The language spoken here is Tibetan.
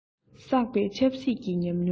ཛ བསགས པའི ཆབ སྲིད ཀྱི ཉམས མྱོང